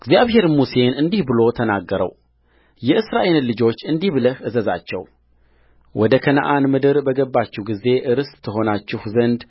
እግዚአብሔርም ሙሴን እንዲህ ብሎ ተናገረውየእስራኤልን ልጆች እንዲህ ብለህ እዘዛቸው ወደ ከነዓን ምድር በገባችሁ ጊዜ ርስት ትሆናችሁ ዘንድ